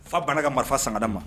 Fa banna ka marifa san k'a d'a ma!